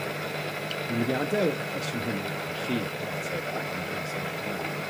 Wi mynd i adel y cwestiwn hwnnw i chi i ateb yn 'ych amser 'ych hunan.